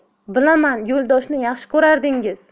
bilaman yo'ldoshni yaxshi ko'rardingiz